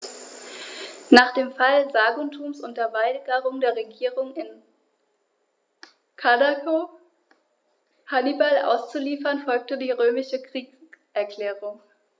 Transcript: Nach dem Fall Saguntums und der Weigerung der Regierung in Karthago, Hannibal auszuliefern, folgte die römische Kriegserklärung.